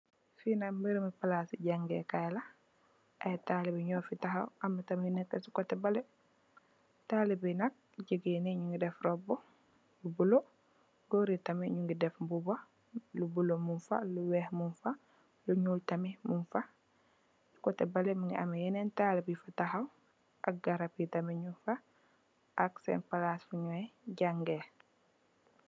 Fee nak meremu plase jagekay la aye talibeh nufe tahaw amna tamin nu neka se koteh bale talibeh ye nak jegain ye nuge def roubu bu bulo goor ye tamin nuge def muba lu bulo mugfa lu weex mugfa lu nuul tamin mugfa koteh bale muge ameh yenen talibeh yufa tahaw ak garab ye tamin mugfa ak sen plass fanuy jange.